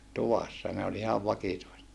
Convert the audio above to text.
tuvassa ne oli oli ihan vakituiset